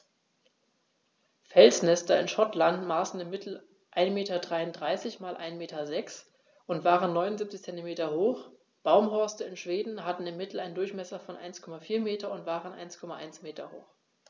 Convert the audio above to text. Felsnester in Schottland maßen im Mittel 1,33 m x 1,06 m und waren 0,79 m hoch, Baumhorste in Schweden hatten im Mittel einen Durchmesser von 1,4 m und waren 1,1 m hoch.